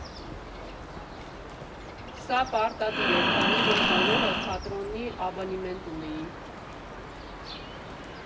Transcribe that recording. Սա պարտադիր էր, քանի որ բոլորը թատրոնի աբոնեմենտ ունեին։